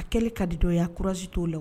A kɛli ka di dɔ ye a courage t'o la.